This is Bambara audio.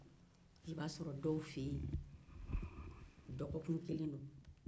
i b'a sɔrɔ dɔw fɛ yen dɔgɔkun kelen don